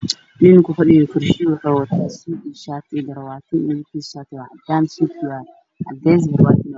Ninbku fadhiya kursi wuxuu wataa suud iyo shaati iyo garabaati shaatiga waa cadaan suudku waa cadays garabaatiga waa madow.